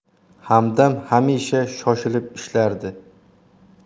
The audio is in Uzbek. hamdam hamisha shoshilib ishlardi